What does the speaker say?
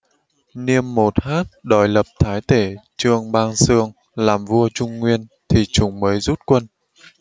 niêm một hát đòi lập thái tể trương bang xương làm vua trung nguyên thì chúng mới rút quân